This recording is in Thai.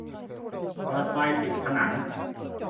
เปิดไฟติดผนัง